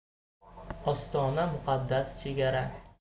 ostona muqaddas chegara